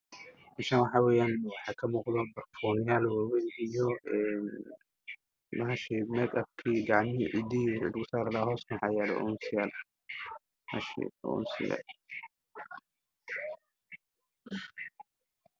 Meeshaan waxaa weeyaan ka muuqdaan waxaa ka barfuuno waa wayn iyo bahashii meek abkii iyo gacmihii cidiyihii lagu saari lahaa arooska halka waxaa yaal uunsi yaal meedha uunsiga.